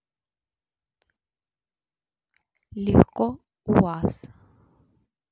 легко уаз